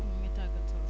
mu ngi tàggatoo